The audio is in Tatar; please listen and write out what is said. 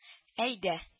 Әйдә